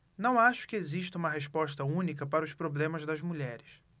não acho que exista uma resposta única para os problemas das mulheres